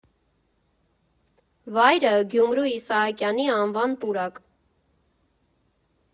Վայրը՝ Գյումրու Իսահակյանի անվան պուրակ։